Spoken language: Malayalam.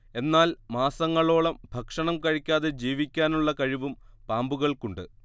എന്നാൽ മാസങ്ങളോളം ഭക്ഷണം കഴിക്കാതെ ജീവിക്കാനുള്ള കഴിവും പാമ്പുകൾക്കുണ്ട്